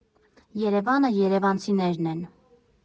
Երևանը երևանցիներն են։